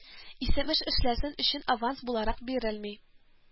Исем эш эшләсен өчен аванс буларак бирелми